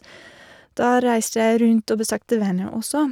Da reiste jeg rundt og besøkte venner også.